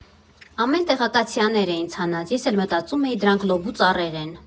Ամեն տեղ ակացիաներ էին ցանած, ես էլ մտածում էի՝ դրանք լոբու ծառեր են։